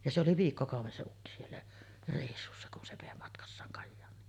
ja se oli viikkokauden se ukki siellä reissussa kun se vei matkassaan Kajaaniin